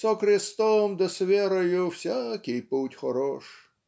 Со крестом да с верой всякий путь хорош".